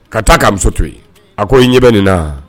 Ka taa k'a muso to a ko ɲɛ bɛ nin na